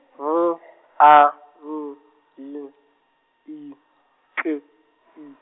N A N Y I K I.